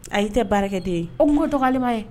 A' tɛ baarakɛ de ye o n tɔgɔlilima ye